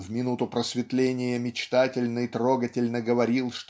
в минуту просветления мечтательно и трогательно говорил